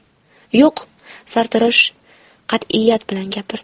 yo'q dedi sartarosh qatiyat bilan